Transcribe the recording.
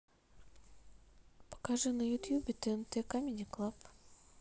покажи на ютюбе тнт камеди клаб